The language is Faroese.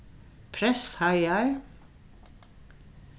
prestheiðar